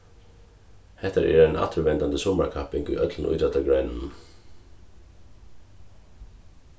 hettar er ein afturvendandi summarkapping í øllum ítróttagreinunum